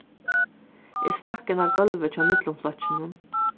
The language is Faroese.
eg stakk inn á gólvið hjá millumflokkinum